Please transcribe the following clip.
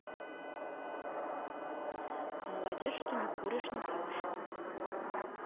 молодец что не куришь не пьешь